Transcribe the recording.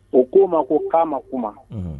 O k'o ma ko kan ma kuma